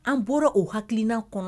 An bɔra o hakilikilan kɔnɔ